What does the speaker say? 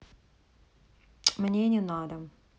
мне не надо